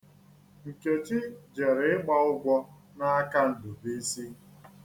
Nkechi jere ịgba ụgwọ n'aka Ndụbụisi.